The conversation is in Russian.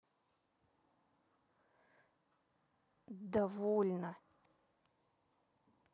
довольно